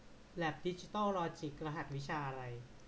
แล็บดิจิตอลลอจิครหัสวิชาอะไร